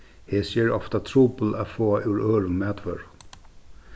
hesi eru ofta trupul at fáa úr øðrum matvørum